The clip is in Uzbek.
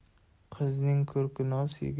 qizning ko'rki noz